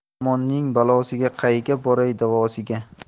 yomonning balosiga qayga boray davosiga